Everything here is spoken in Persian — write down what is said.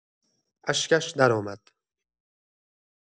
اشکش درآمد